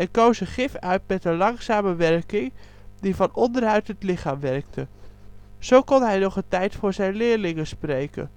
koos een gif uit met een langzame werking die van onderuit het lichaam werkt; zo kon hij nog een tijd voor zijn leerlingen spreken